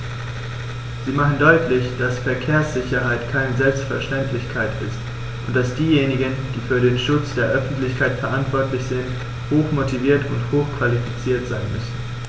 Sie machen deutlich, dass Verkehrssicherheit keine Selbstverständlichkeit ist und dass diejenigen, die für den Schutz der Öffentlichkeit verantwortlich sind, hochmotiviert und hochqualifiziert sein müssen.